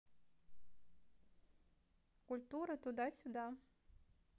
культура туда сюда